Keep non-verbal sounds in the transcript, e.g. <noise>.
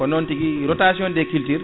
ko non tigui tigui rotation des cultures <noise>